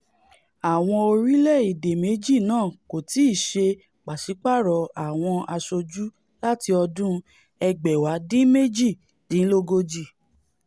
Àwọn orílẹ̀-èdè méjì náà kò tíì ṣe pàsípààrọ̀ àwọn aṣoju láti ọdún 1962.